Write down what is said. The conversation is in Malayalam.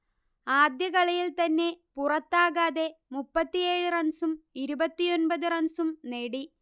ആദ്യ കളിയിൽ തന്നെ പുറത്താകാതെ മുപ്പത്തിയേഴ് റൺസും ഇരുപത്തിയൊമ്പത് റൺസും നേടി